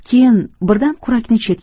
keyin birdan kurakni chetga